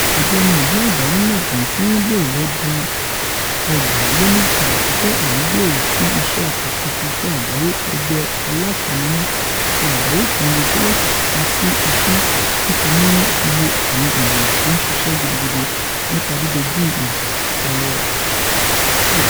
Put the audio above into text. Àjọ̀dun Ọmọ Ìlú Àgbáyé náà, èyití wọ́n bẹ̀rẹ̀ lọ́dún 2012, jẹ́ àmúgbòòrò tí Iṣẹ́ Àkànṣe ti Ìṣẹ́ Àgbáyé, ẹgbẹ́ aláàtẹnumọ́ ti àgbáyé kan ńrétí láti fòpin sí ìṣẹ́ nípa mímú iye àwọn ènìyàn tó ńṣiṣẹ́ gidigidi nípa dídojú ìjà kọ ọ́ pọ̀síi.